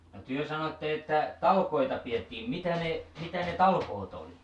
no te sanoitte että talkoita pidettiin mitä ne mitä ne talkoot oli